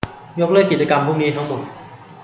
ยกเลิกกิจกรรมพรุ่งนี้ทั้งหมด